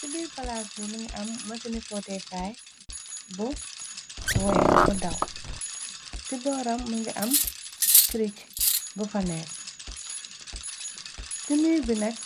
Ci biir palaats bi më ngi am mëseni fotekaay bu weex bu daw ci booram më ngi am frice bu faneek ci mir bi nax